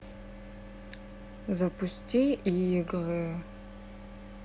запусти игры